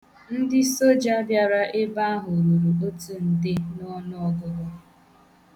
Ndị soja bịara ebe ahụ ruru otu nde n'ọnụọgụgụ.